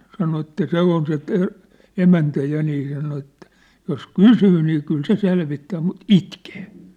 sanoi että se on se - emäntä ja niin sanoi että jos kysyy niin kyllä se selvittää mutta itkee